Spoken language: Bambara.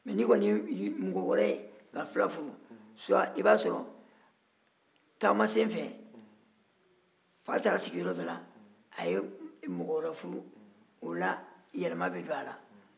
nka n'i kɔni ye mɔgɔ wɛrɛ ye fila furu i b'a sɔrɔ taamasen fɛ fa taara sigi yɔrɔ dɔ la a ye mɔgɔ wɛrɛ furu o la yɛlɛma bɛ don a la